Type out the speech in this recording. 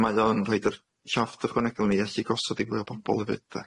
Mae o yn rhoid yr llofft ychwanegol i ni allu gosod i fwy o bobol hefyd 'de.